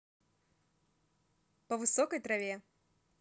по высокой траве